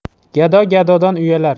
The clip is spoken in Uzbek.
gado gadodan uyalar